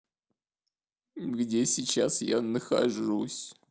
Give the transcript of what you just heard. где сейчас я нахожусь